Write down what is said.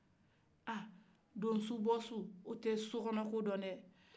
a don su bɔ su o tɛ sokɔnɔ ko don dɛ